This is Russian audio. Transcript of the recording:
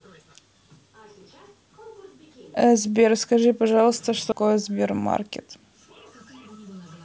сбер скажи пожалуйста что такое сбермаркет